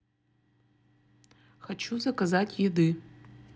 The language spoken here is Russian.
хочу заказать еды